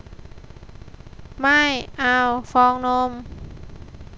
ไม่เอาฟองนม